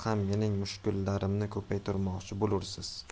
ham mening mushkullarimni ko'paytirmoqchi bo'lursiz